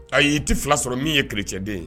Ayi i tɛ fila sɔrɔ min ye kereccɛden ye